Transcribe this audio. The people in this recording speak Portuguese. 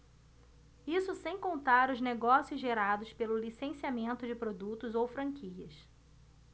isso sem contar os negócios gerados pelo licenciamento de produtos ou franquias